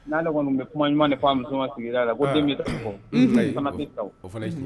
N'aale kɔni bɛ kuma ɲuman de fa muso sigira la den